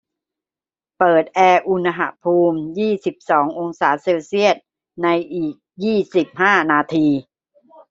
เปิดแอร์อุณหภูมิยี่สิบสององศาเซลเซียสในอีกยี่สิบห้านาที